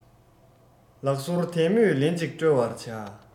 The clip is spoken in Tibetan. ལག སོར དལ མོས ལེན ཅིག དཀྲོལ བར བྱ